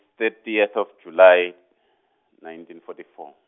thirtieth of July, nineteen forty four.